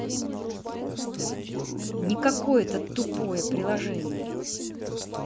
не какое то тупое приложение